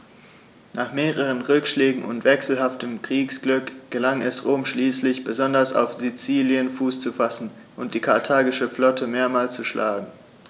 Nach mehreren Rückschlägen und wechselhaftem Kriegsglück gelang es Rom schließlich, besonders auf Sizilien Fuß zu fassen und die karthagische Flotte mehrmals zu schlagen.